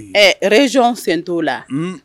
Ɛɛreson fɛn t'o la